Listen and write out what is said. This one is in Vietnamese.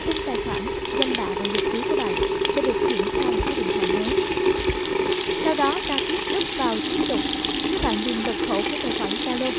thông tin tài khoản danh bạ và nhật ký của bạn sẽ được chuyển sang số điện thoại mới sau đó ta kích đúp vào tiếp tục các bạn điền mật khẩu của tài khoản zalo